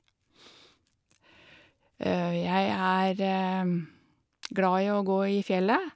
Jeg er glad i å gå i fjellet.